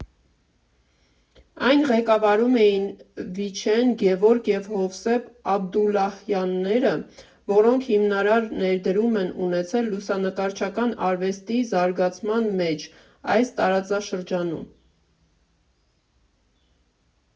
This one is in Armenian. Այն ղեկավարում էին Վիչեն, Գևորգ և Հովսեփ Աբդուլլահյանները որոնք հիմնարար ներդրում են ունեցել լուսանկարչական արվեստի զարգացման մեջ այս տարածաշրջանում։